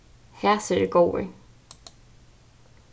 hasir eru góðir